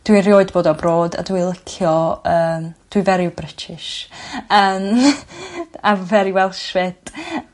Dwi erioed bod abroad a dwi licio yym dwi very British yym a very Welsh 'fyd.